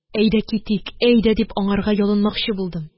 «әйдә, китик, әйдә!» дип, аңарга ялынмакчы булдым.